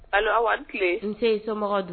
Ayiwa wari tile n samamadugu